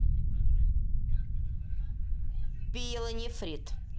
пиелонефрит